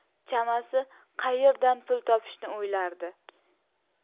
chamasi qayerdan pul topishni o'ylardi